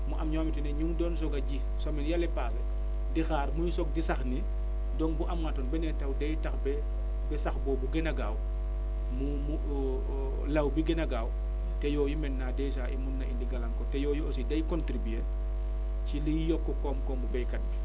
mu am ñoo xamante ne ñi ngi doon soog a ji semaines yële passé di xaar muy soog di sax nii donc bu amaatoon beneen taw day taw ba ba sax boobu gën a gaaw mu mu law ba gën a gaaw te yooyu maintenant dèjà mën na indi gàllankoor te yooyu aussi day contribuer ci liy yokk koom-koomu béykat bi